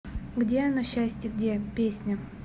где оно счастье где песня